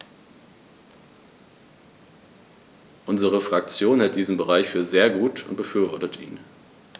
Unsere Fraktion hält diesen Bericht für sehr gut und befürwortet ihn.